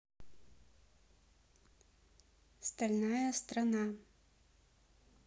стальная страна